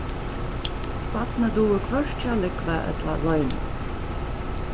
barnið dugir hvørki at lúgva ella loyna